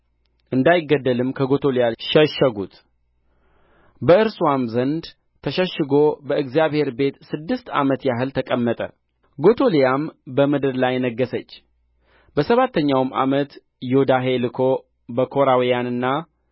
እንዳይገደልም ከጎቶልያ ሸሸጉት በእርስዋም ዘንድ ተሸሸጎ በእግዚአብሔር ቤት ስድስት ዓመት ያህል ተቀመጠ ጎቶልያም በምድር ላይ ነገሠች በሰባተኛውም ዓመት ዮዳሄ ልኮ በካራውያንና